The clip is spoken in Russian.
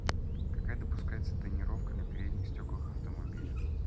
какая допускается тонировка на передних стеклах автомобиля